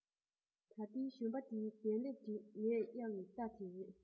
ད ལྟའི གཞོན པ དེའི གདན ལྷེབ དེ ངས གཡར བའི རྟ དེ རེད